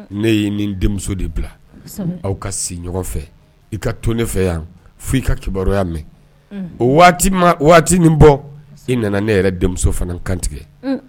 Ne y'i nin denmuso de bila aw ka si ɲɔgɔn fɛ i ka to ne fɛ yan fo i ka kibaruyaya mɛn o waati min bɔ i nana ne yɛrɛ denmuso fana kan tigɛ